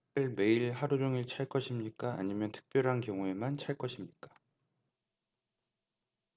시계를 매일 하루 종일 찰 것입니까 아니면 특별한 경우에만 찰 것입니까